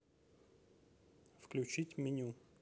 включить меню